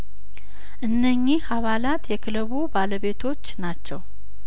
እነኚህ አባላት የክለቡ ባለቤቶች ናቸው